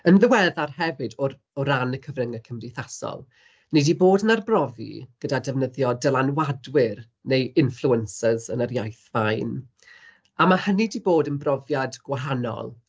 Yn ddiweddar hefyd o r- o ran y cyfryngau cymdeithasol, ni 'di bod yn arbrofi gyda defnyddio dylanwadwyr, neu influencers yn yr iaith fain, a ma' hynny 'di bod yn brofiad gwahanol.